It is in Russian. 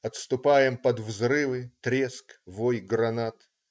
Отступаем под взрывы, треск, вой гранат.